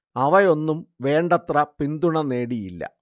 അവയൊന്നും വേണ്ടത്ര പിന്തുണ നേടിയില്ല